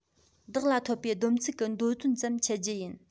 བདག ལ ཐོབ པའི བསྡོམས ཚིག གི མདོ དོན ཙམ འཆད རྒྱུ ཡིན